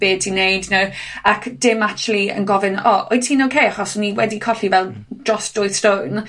be ti'n neud, you know, ac dim actually yn gofyn o wyt ti'n oce achos o'n i wedi colli fel dros dwy stone,